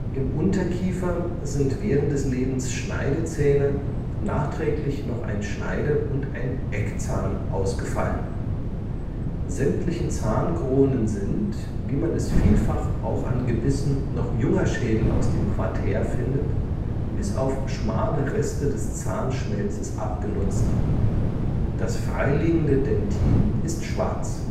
Im Unterkiefer sind während des Lebens Schneidezähne, nachträglich noch ein Schneide - und ein Eckzahn ausgefallen. Sämtliche Zahnkronen sind, wie man es vielfach auch an Gebissen noch junger Schädel aus dem Quartär findet, bis auf schmale Reste des Zahnschmelzes abgenutzt. Das freiliegende Dentin ist schwarz